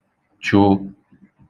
chụ